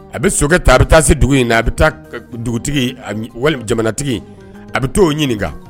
A be sokɛ ta a be taa se dugu in na a be taa k ke dugutigi ani walm jamanatigi a be t'o ɲininka